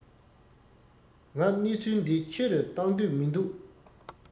ང གནས ཚུལ འདི ཆེ རུ བཏང འདོད མི འདུག